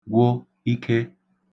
gwụ ike